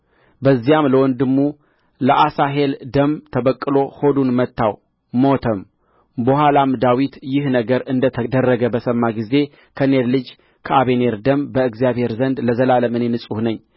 በዚያም ለወንድሙ ለአሣሄል ደም ተበቅሎ ሆዱን መታው ሞተም በኋላም ዳዊት ይህ ነገር እንደ ተደረገ በሰማ ጊዜ ከኔር ልጅ ከአበኔር ደም በእግዚአብሔር ዘንድ ለዘላለም እኔ ንጹሕ ነኝ